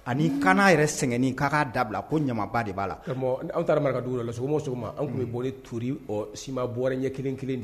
Ani kaana'a yɛrɛ sɛgɛnnen k'a'a dabila ko ɲamaba de b'a la aw taara dugu la sogo ma ma anw tun bɛ boli turi o si ma bɔra ɲɛ kelen kelen de ye